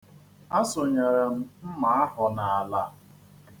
A sụnyere m mma ahụ n'ala.